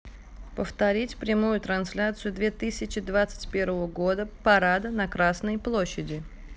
повторить прямую трансляцию две тысячи двадцать первого года парада на красной площади